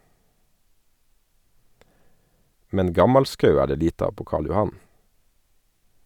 - Men gammalskau er det lite av på Karl Johan?